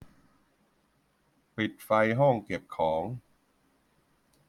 ปิดไฟห้องเก็บของ